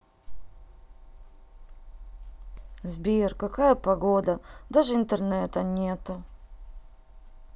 сбер какая погода даже интернета нету